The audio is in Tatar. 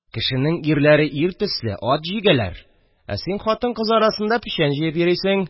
– кешенең ирләре ир төсле – ат җигәләр, ә син хатын-кыз арасында печән җыеп йөрисең